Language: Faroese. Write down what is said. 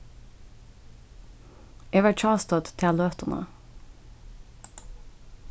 eg var hjástødd ta løtuna